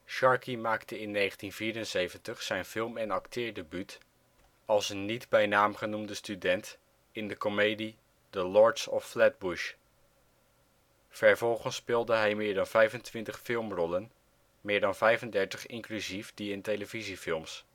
Sharkey maakte in 1974 zijn film - en acteerdebuut als niet bij naam genoemde student in de komedie The Lords of Flatbush. Vervolgens speelde hij meer dan 25 filmrollen, meer dan 35 inclusief die in televisiefilms